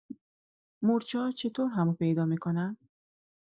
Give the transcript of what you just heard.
مورچه‌ها چطور همو پیدا می‌کنن؟